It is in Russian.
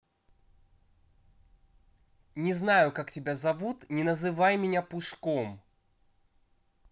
не знаю как тебя зовут не называй меня пушком